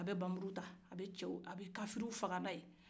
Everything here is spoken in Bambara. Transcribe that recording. a bɛ bamuruta a bɛ kafriw faga na ye